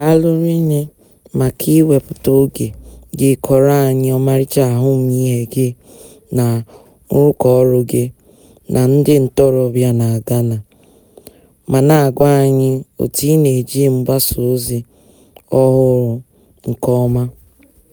Daalụ rinne maka iwepụta oge gị kọọrọ anyị ọmarịcha ahụmihe gị na nrụkọọrụ gị na ndị ntorobịa na Ghana ma na-agwa anyị otu ị na-eji mgbasaozi ọhụrụ nke ọma.